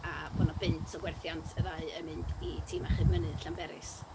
A bod 'na bunt o gwerthiant y ddau yn mynd i Tîm Achub Mynydd Llanberis.